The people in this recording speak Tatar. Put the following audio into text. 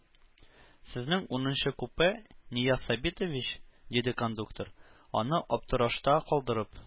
Сезнең унынчы купе, Нияз Сабитович, диде кондуктор, аны аптырашта калдырып.